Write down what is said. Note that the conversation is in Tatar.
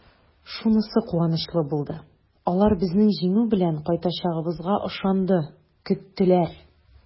Шунысы куанычлы булды: алар безнең җиңү белән кайтачагыбызга ышанды, көттеләр!